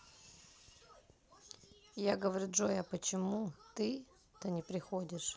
я говорю джой а ты почему то не приходишь